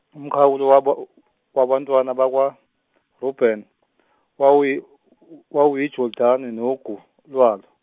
umkhawulo waba- wabantwana bakwaRubeni, wawuyi- wawuyiJordani nogu, lwalo.